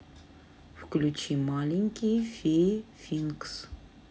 включи маленькие феи винкс